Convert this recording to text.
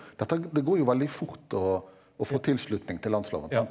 dette det går jo veldig fort å å få tilslutning til landsloven sant.